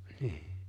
niin